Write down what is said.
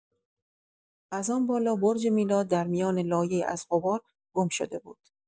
از آن بالا، برج میلاد در میان لایه‌ای از غبار گم شده بود.